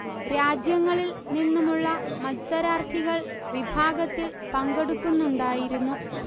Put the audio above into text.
രാജ്യങ്ങളിൽ നിന്നുമുള്ള മത്സരാർത്ഥികൾ വിഭാഗത്തിൽ പങ്കെടുക്കുന്നുണ്ടായിരുന്നു